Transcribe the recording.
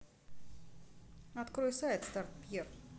открой сайт старт премьер